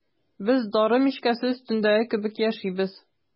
Без дары мичкәсе өстендә кебек яшибез.